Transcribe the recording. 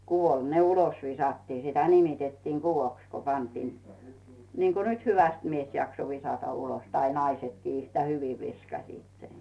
kuvolla ne ulos viskattiin sitä nimitettiin kuvoksi kun pantiin niin kuin nyt hyvästi mies jaksoi viskata ulos tai naisetkin yhtä hyvin viskasivat sen